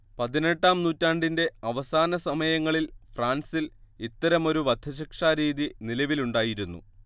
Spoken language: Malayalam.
പതിനെട്ടാം നൂറ്റാണ്ടിന്റെ അവസാനസമയങ്ങളിൽ ഫ്രാൻസിൽ ഇത്തരമൊരു വധശിക്ഷാരീതി നിലവിലുണ്ടായിരുന്നു